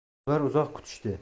ular uzoq kutishdi